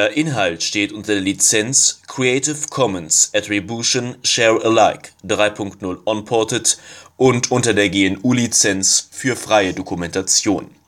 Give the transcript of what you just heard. Inhalt steht unter der Lizenz Creative Commons Attribution Share Alike 3 Punkt 0 Unported und unter der GNU Lizenz für freie Dokumentation